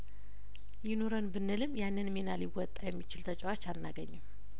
ይኑረን ብንልም ያንን ሚና ሊወጣ የሚችል ተጫዋች አናገኝም